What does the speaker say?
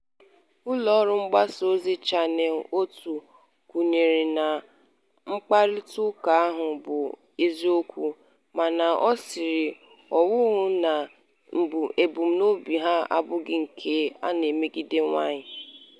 Ụlọọrụ mgbasaozi Channel One kwenyere na mkparịtaụka ahụ bụ eziokwu, mana o siri ọnwụ na ebumnobi ha abụghị nke na-emegide nwaanyị.